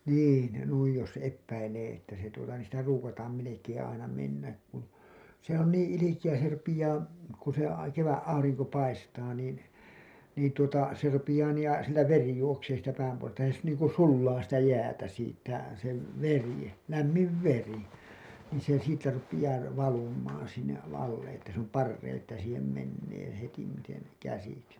niin ja noin jos epäilee että se tuota niin sitä ruukataan melkein aina mennä kun se on niin ilkeä se rupeaa kun se - kevät aurinko paistaa niin niin tuota se rupeaa niin ja siltä veri juoksee siitä päänpohjasta ja se niin kuin sulaa sitä jäätä siitä se veri lämmin veri niin se siitä rupeaa - valumaan sinne alle että se on parempi että siihen menee hetimiten käsiksi